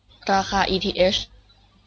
ราคาอีทีเฮช